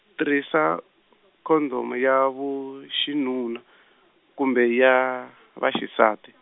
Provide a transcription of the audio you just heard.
tirhisa, khondomu ya vaxinuna kumbe ya, vaxisati .